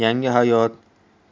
yangi hayot